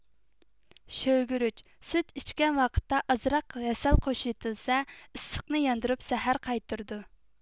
شوۋىگۈرۈچ سۈت ئىچكەن ۋاقىتتا ئازراق ھەسەل قوشۇۋېتىلسە ئىسسىقىنى ياندۇرۇپ زەھەر قايتۇرىدۇ